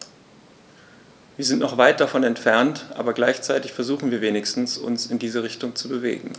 Wir sind noch weit davon entfernt, aber gleichzeitig versuchen wir wenigstens, uns in diese Richtung zu bewegen.